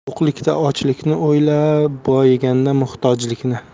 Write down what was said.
to'qlikda ochlikni o'yla boyiganda muhtojlikni